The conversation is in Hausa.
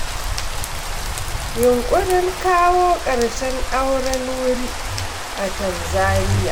Yunƙurin kawo ƙarshen auren wuri a Tanzaniya.